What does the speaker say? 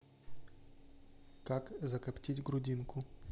как закоптить грудинку